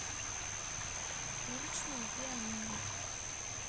уличное пианино